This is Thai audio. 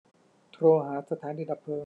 โทรหาสถานีดับเพลิง